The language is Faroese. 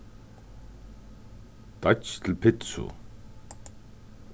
deiggj til pitsu